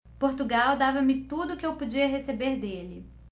portugal dava-me tudo o que eu podia receber dele